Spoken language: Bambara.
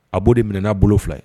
A b'o de mina n'a bolo fila ye